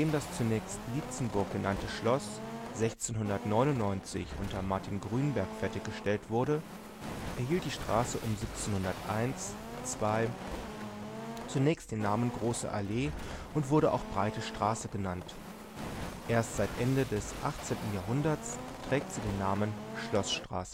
das zunächst Lietzenburg genannte Schloss 1699 unter Martin Grünberg fertiggestellt wurde, erhielt die Straße um 1701 / 02 zunächst den Namen Große Allee und wurde auch Breite Straße genannt. Erst seit Ende des 18. Jahrhunderts trägt sie den Namen Schloßstraße